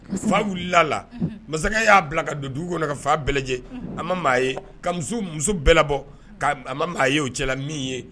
Fa wulilalala masakɛ y'a bila ka don dugukolo ka fa bɛɛ a ma maa ye ka muso muso bɛɛlabɔ a ma maa ye o cɛlala min ye